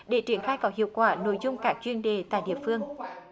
để triển khai có hiệu quả nội dung các chuyên đề tại địa phương